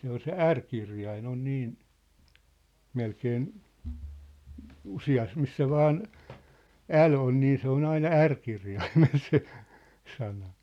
se on se r-kirjain on niin melkein useassa missä vain l-kirjain on niin se on aina r-kirjaimella se sana